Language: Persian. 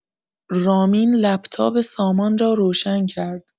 رامین لپ‌تاپ سامان را روشن کرد.